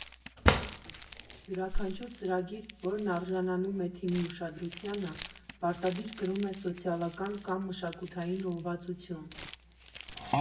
Յուրաքանչյուր ծրագիր, որն արժանանում է թիմի ուշադրությանը, պարտադիր կրում է սոցիալական կամ մշակութային ուղղվածություն։